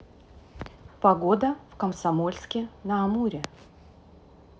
погода в комсомольск на амуре